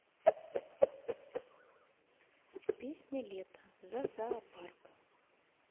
песня лето за зоопарк